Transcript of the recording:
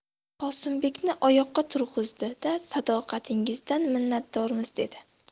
qosimbekni oyoqqa turg'izdi da sadoqatingizdan minnatdormiz dedi